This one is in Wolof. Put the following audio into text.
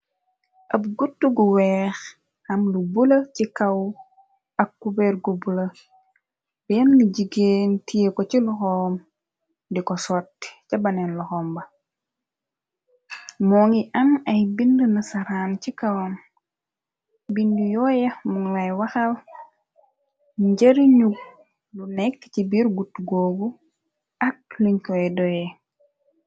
Ab gut gu weex am lu bula ci kaw ak coubergu bla benn jigeen tie ko ci lu xoom di ko sotti ca baneen luxomba moo ngi an ay bind na saraan ci kawam bindu yooye mungay waxal njëri ñu lu nekk ci biir gut googu ak luñ koy doyee.